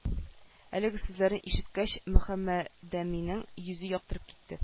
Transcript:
Әлеге сүзләрне ишеткәч мөхәммәдәминнең йөзе яктырып китте